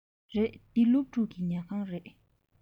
རེད འདི སློབ ཕྲུག གི ཉལ ཁང རེད